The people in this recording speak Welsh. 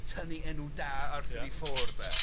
...tynnu enw da Arthur i ffwr' de.